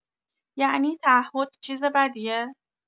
یعنی تعهد چیز بدیه؟